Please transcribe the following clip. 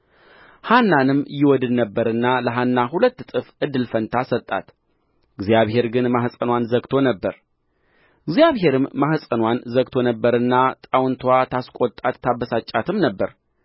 ሐናንም ይወድድ ነበርና ለሐና ሁለት እጥፍ እድል ፈንታ ሰጣት እግዚአብሔር ግን ማኅፀንዋን ዘግቶ ነበር እግዚአብሔርም ማኅፀንዋን ዘግቶ ነበርና ጣውንትዋ ታስቆጣት ታበሳጫትም ነበር